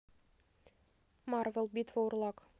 марвел битва урлак